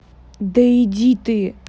да иди ты